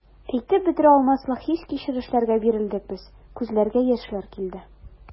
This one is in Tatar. Әйтеп бетерә алмаслык хис-кичерешләргә бирелдек без, күзләргә яшьләр килде.